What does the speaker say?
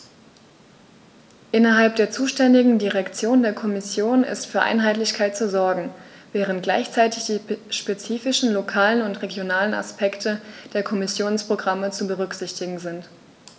Innerhalb der zuständigen Direktion der Kommission ist für Einheitlichkeit zu sorgen, während gleichzeitig die spezifischen lokalen und regionalen Aspekte der Kommissionsprogramme zu berücksichtigen sind.